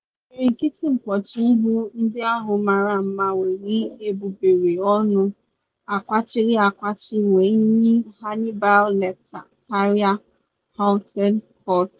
Imirikiti mkpuchi ihu ndị ahụ mara mma nwere egbugbere ọnụ akwachiri akwachi wee yie Hannibal Lecter karịa haute couture.